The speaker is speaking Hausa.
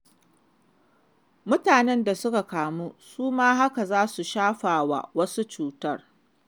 Mutanen da suka kamu su ma haka za su shafa wa wasu cutar.